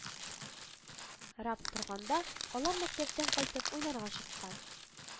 Рап торганда, алар мәктәптән кайтып уйнарга чыккан